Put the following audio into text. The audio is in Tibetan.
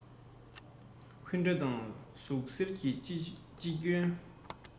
འཁུན སྒྲ དང ཟུག གཟེར གྱིས ཅི སྐྱོན